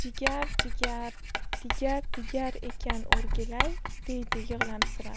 jigar jigar digar digar ekan o'rgilay deydi yig'lamsirab